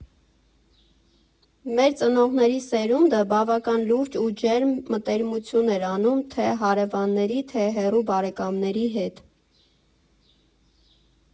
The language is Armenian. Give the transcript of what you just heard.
Մեր ծնողների սերունդը բավական լուրջ ու ջերմ մտերմություն էր անում թե հարևանների, թե հեռու բարեկամների հետ։